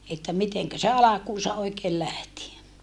että miten se alkuunsa oikein lähti